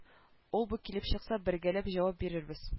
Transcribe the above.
Ул-бу килеп чыкса бергәләп җавап бирербез